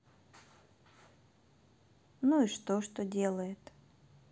ну и что что делает